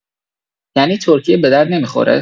یعنی ترکیه بدرد نمی‌خوره؟